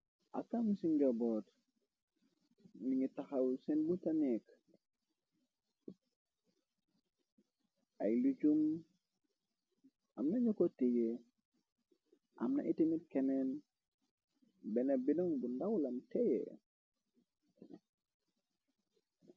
Atan si nyoboot, ñu ngi taxaw sii buntu neeg ay lujum am na, ñu ko tiye am na i timit kenen, beenë bi nak bu ndaw lam tiye.